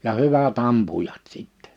ja hyvät ampujat sitten